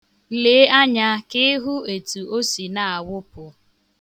Lee anya ka ị hụ etu o si na-awụpụ.